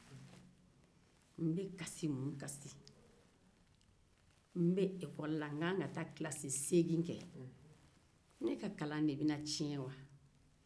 n bɛ ekɔli la n ka kan ka taa kilasi seegin kɛ ne ka kalan de bɛna tiɲɛ wa